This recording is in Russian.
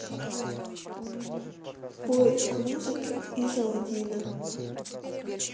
поиск музыка из алладина